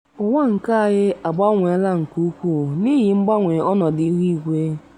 Ụwa nke anyị agbanweela nke ukwuu n'ihi mgbanwe ọnọdụ ihu igwe.”